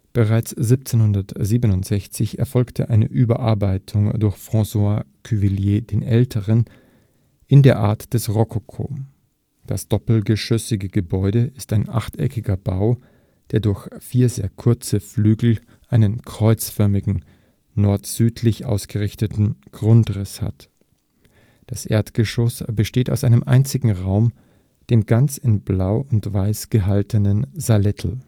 Bereits 1767 erfolgte eine Überarbeitung durch François Cuvilliés d. Ä. in der Art des Rokoko. Das doppelgeschossige Gebäude ist ein achteckiger Bau, der durch vier sehr kurze Flügel einen kreuzförmigen, nord-südlich ausgerichteten Grundriss hat. Das Erdgeschoss besteht aus einem einzigen Raum, dem ganz in blau und weiß gehaltenen Salettl.